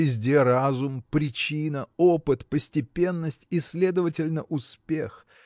везде разум, причина, опыт, постепенность и, следовательно, успех